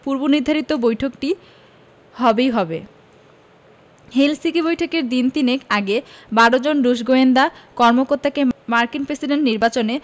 পূর্বনির্ধারিত বৈঠকটি হবেই হবে হেলসিঙ্কি বৈঠকের দিন তিনেক আগে ১২ জন রুশ গোয়েন্দা কর্মকর্তাকে মার্কিন প্রেসিডেন্ট নির্বাচনে